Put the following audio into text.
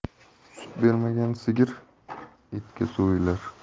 sut bermagan sigir etga so'yilar